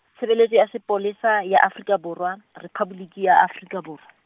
Tshebeletso ya Sepolesa ya Afrika Borwa, Rephaboliki ya Afrika Borwa.